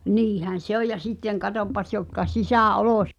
niinhän se on ja sitten katsopas jotka -